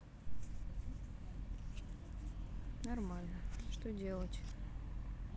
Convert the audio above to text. нормально что делать